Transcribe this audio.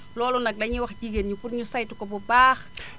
loolu nag dañuy wax jigéen ñi pour ñu saytu ko bu baax